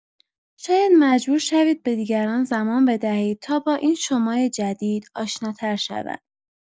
شاید مجبور شوید به دیگران زمان بدهید تا با این شمای جدید آشناتر شوند.